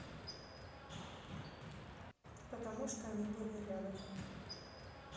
потому что они были рядом